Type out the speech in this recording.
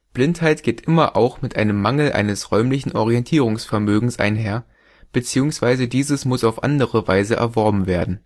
Blindheit geht immer auch mit einem Mangel eines räumlichen Orientierungsvermögens einher, bzw. dieses muss auf andere Weise erworben werden